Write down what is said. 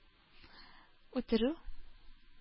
Үтерү